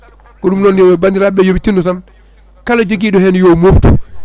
ko ɗum ɗon yo bandiraɓe yoɓe tinno tan kala joguiɗo hen yo moftu